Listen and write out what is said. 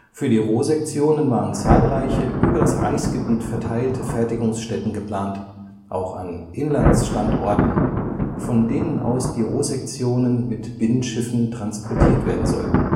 Für die Rohsektionen waren zahlreiche, über das Reichsgebiet verteilte Fertigungsstätten geplant, auch an Inlandstandorten, von denen aus die Rohsektionen mit Binnenschiffen transportiert werden sollten